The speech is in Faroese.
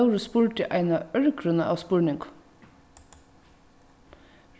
tórður spurdi eina ørgrynnu av spurningum